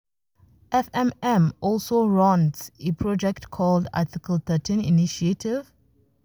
FMM also runs a project called “Article 13 Initiative“?